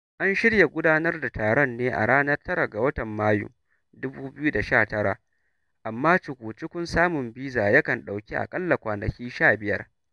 An shirya gudanar da taron ne a ranar 9 ga watan Mayu, 2019, amma cuku-cukun samun biza ya kan ɗauki a ƙalla kwanaki 15.